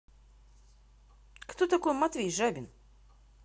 кто такой матвей жабин